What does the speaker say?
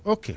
ok